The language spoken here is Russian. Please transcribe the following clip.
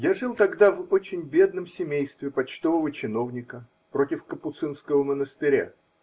Я жил тогда в очень бедном семействе почтового чиновника, против капуцинского монастыря.